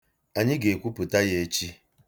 Anyị ga-ekwupụta ya echi.